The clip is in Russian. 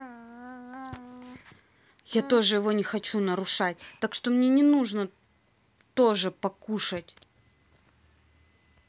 я тоже его не хочу нарушать так что мне нужно тоже покушать